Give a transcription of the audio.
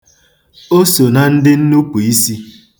O so na ndịnnupuisi